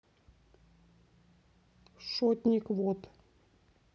шотник вот